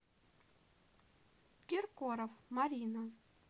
киркоров марина